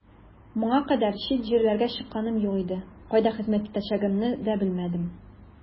Моңа кадәр чит җирләргә чыкканым юк иде, кайда хезмәт итәчәгемне дә белмәдем.